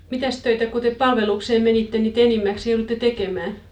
mitäs töitä kun te palvelukseen menitte niin te enimmäkseen jouduitte tekemään